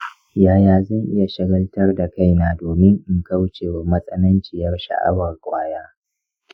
yaya zan iya shagaltar da kaina domin in kauce wa matsananciyar sha'awar ƙwaya?